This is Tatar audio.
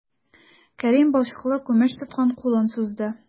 Кәрим балчыклы күмәч тоткан кулын сузды.